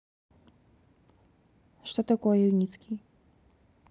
что такое юницкий